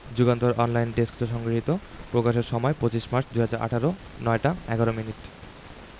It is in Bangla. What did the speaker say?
যুগান্তর অনলাইন ডেস্ক হতে সংগৃহীত প্রকাশের সময় ২৫ মার্চ ২০১৮ ০৯ টা ১১ মিনিট